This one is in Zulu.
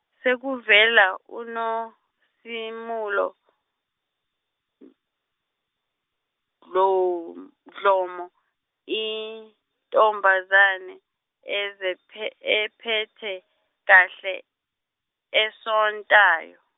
sekuvela uNosimilo, Dlom- Dhlomo, intombazane, eziphe- ephethe kahle, esontayo.